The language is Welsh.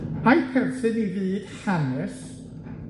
Ai perthyn i fyd hanes,